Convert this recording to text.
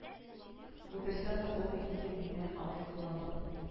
Үтерсәң дә булмый инде миннән андый кылану